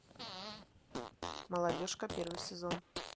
молодежка первый сезон